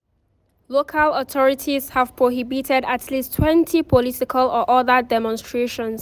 Local authorities have prohibited at least 20 political or other demonstrations.